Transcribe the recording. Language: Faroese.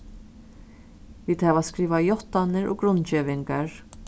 vit hava skrivað játtanir og grundgevingar